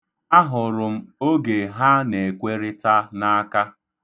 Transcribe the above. Ahụrụ m oge ha na-ekwerịta n'aka.